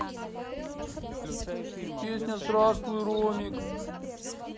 песня здравствуй ромик